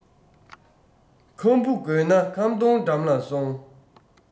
ཁམ བུ དགོས ན ཁམ སྡོང འགྲམ ལ སོང